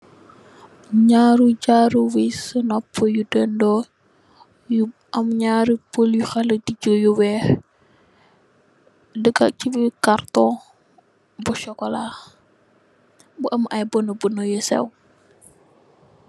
Ñaaru jaaro wiiss su nopu yu dendoo, yu am ñaaru pal yu hala dija yu weeh. Daka ci biir cartoon bu sokola, bu am ay bana bana yu sew.